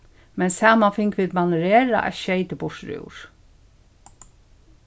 men saman fingu vit manererað eitt skeyti burturúr